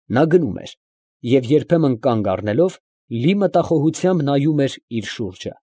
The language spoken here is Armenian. Նա գնում էր, և երբեմն կանգ առնելով, լի մտախոհությամբ նայում էր իր շուրջը։